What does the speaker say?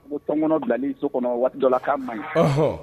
Ko tɔnɔn bilali so kɔnɔ waatijɔla k'a ma ɲi